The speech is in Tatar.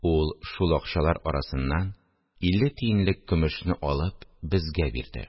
Ул шул акчалар арасыннан илле тиенлек көмешне алып, безгә бирде.